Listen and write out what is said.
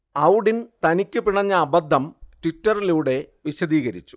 ഔഡിൻ തനിക്ക് പിണഞ്ഞ അബദ്ധം ട്വിറ്ററിലൂടെ വിശദീകരിച്ചു